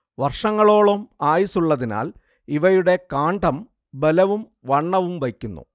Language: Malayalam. വർഷങ്ങളോളം ആയുസ്സുള്ളതിനാൽ ഇവയുടെ കാണ്ഡം ബലവും വണ്ണവും വയ്ക്കുന്നു